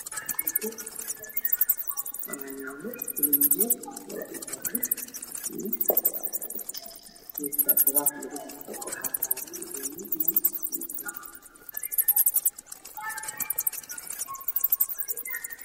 Waajiko waxaa yaalla fulin jeer kalarkiisu yahay dahabi waxaa yaallo geedka alaabta lagu shabaq